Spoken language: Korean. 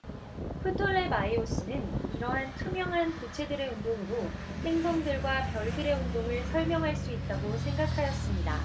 프톨레마이오스는 이러한 투명한 구체들의 운동으로 행성들과 별들의 운동을 설명할 수 있다고 생각하였습니다